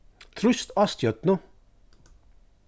trýst á stjørnu